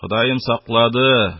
"ходаем саклады,